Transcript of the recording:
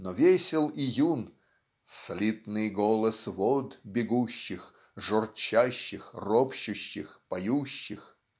но весел и юн Слитный голос вод бегущих Журчащих ропчущих поющих.